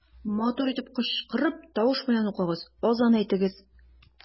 Матур итеп кычкырып, тавыш белән укыгыз, азан әйтегез.